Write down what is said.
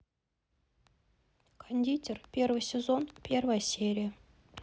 кондитер первый сезон первая серия